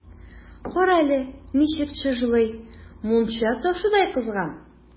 Кара әле, ничек чыжлый, мунча ташыдай кызган!